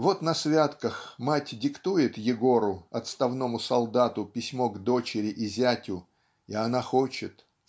Вот на святках мать диктует Егору отставному солдату письмо к дочери и зятю и она хочет